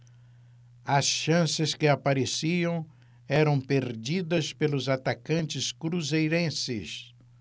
as chances que apareciam eram perdidas pelos atacantes cruzeirenses